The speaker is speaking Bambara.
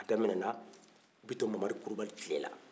a daminɛna bitɔn mamari kulubali tile la